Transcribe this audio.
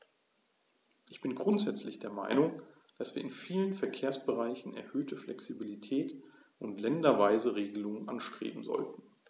Ich bin grundsätzlich der Meinung, dass wir in vielen Verkehrsbereichen erhöhte Flexibilität und länderweise Regelungen anstreben sollten.